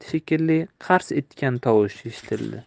shekilli qars etgan tovush eshitildi